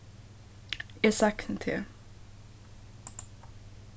eg sakni teg